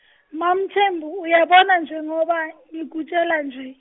MaMthembu uyabona njengoba ngikutshela nje.